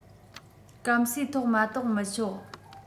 སྐམ སའི ཐོག མ གཏོག མི ཆོག